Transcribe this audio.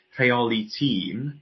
rheoli tîm